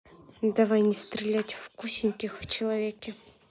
давай не стрелять в косеньких в человеке